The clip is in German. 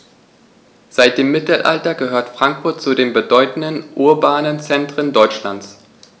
Seit dem Mittelalter gehört Frankfurt zu den bedeutenden urbanen Zentren Deutschlands.